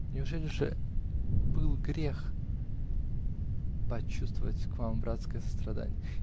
Неужели же был грех почувствовать к вам братское сострадание?.